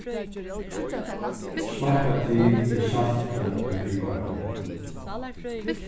smakka til við salti og pipari